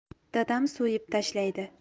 dadam so'yib tashlaydi